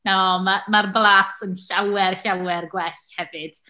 O, ma' mae'r blas yn llawer, llawer gwell hefyd.